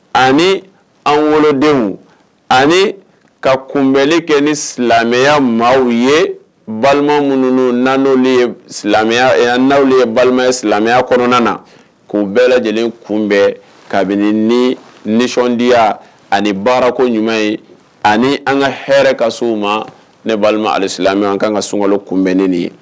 Ani an wolodenw ani ka kunbɛnele kɛ ni silamɛya maa ye balimaun n' ye balima silamɛya kɔnɔna na k'u bɛɛ lajɛlen kunbɛn kabini ni nisɔndiyaya ani baarako ɲuman ye ani an ka hɛrɛɛ ka so ma ne balima ali silamɛ an ka kan ka sungɔlo kunbɛn ne nin ye